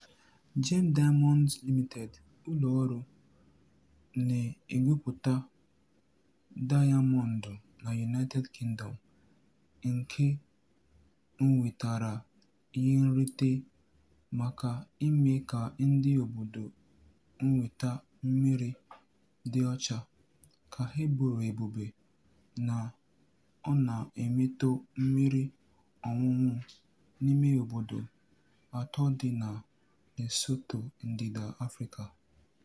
Gem Diamonds Limited, ụlọọrụ na-egwupụta dayamọndụ na United Kingdom nke nwetara ihenrite maka ime ka ndị obodo nweta mmiri dị ọcha, ka e boro ebubo na ọ na-emetọ mmiri ọṅụṅụ n'ime obodo atọ dị na Lesotho, ndịda Afrịka.